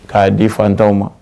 K'a di fantanw ma